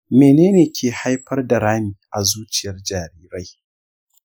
menene ke haifar da rami a zuciyar jarirai?